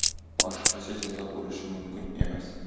boshqacha jazo bo'lishi mumkin emas